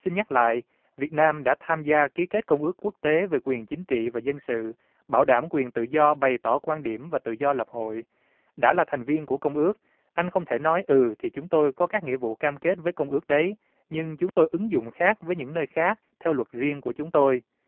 xin nhắc lại việt nam đã tham gia ký kết công ước quốc tế về quyền chính trị và dân sự bảo đảm quyền tự do bày tỏ quan điểm và tự do lập hội đã là thành viên của công ước anh không thể nói ừ thì chúng tôi có các nghĩa vụ cam kết với công ước đấy nhưng chúng tôi ứng dụng khác với những nơi khác theo luật riêng của chúng tôi